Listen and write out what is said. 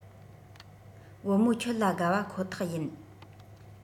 བུ མོ ཁྱོད ལ དགའ བ ཁོ ཐག ཡིན